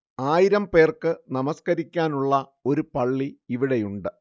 ആയിരം പേർക്ക് നമസ്കരിക്കാനുള്ള ഒരു പള്ളി ഇവിടെയുണ്ട്